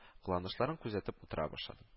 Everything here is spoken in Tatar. Кыланышларын күзәтеп утыра башладым